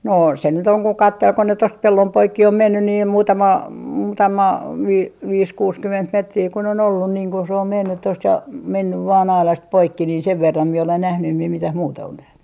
no se nyt on kun katseli kun ne tuosta pellon poikki on mennyt niin muutama muutama - viisi kuusikymmentä metriä kun on ollut niin kun se on mennyt tuosta ja mennyt vain aidasta poikki niin sen verran minä olen nähnyt en minä mitään muuta ole nähnyt